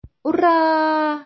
Ура!